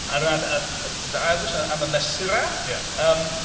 Ar ran y- y... Dy ail gwestiwn am y mesurau... Ia... Yym.